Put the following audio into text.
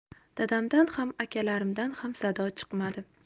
dadamdan ham akalarimdan ham sado chiqmadi